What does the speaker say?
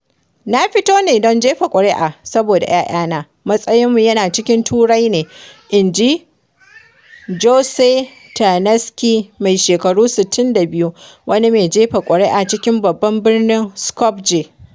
“Na fito ne don jefa kuri’a saboda ‘ya’yana, matsayinmu yana cikin Turai ne,” inji Gjose Tanevski, mai shekaru 62, wani mai jefa kuri’a cikin babban birnin, Skopje.